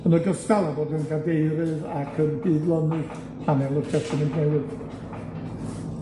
Yn ogystal â bod yn gadeirydd ac yn gydlyni panel y Testament Newydd.